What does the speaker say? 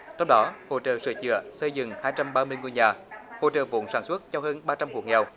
trong đó hỗ trợ sửa chữa xây dựng hai trăm ba mươi ngôi nhà hỗ trợ vốn sản xuất cho hơn ba trăm hộ nghèo